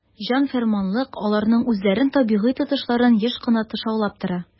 "җан-фәрманлык" аларның үзләрен табигый тотышларын еш кына тышаулап тора.